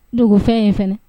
Dogo fɛn in fana